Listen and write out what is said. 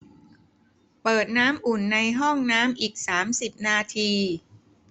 เปิดน้ำอุ่นในห้องน้ำอีกสามสิบนาที